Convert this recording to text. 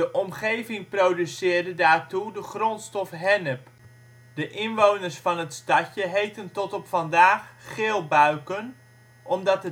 omgeving produceerde daartoe de grondstof hennep. De inwoners van het stadje heten tot op vandaag Geelbuiken, omdat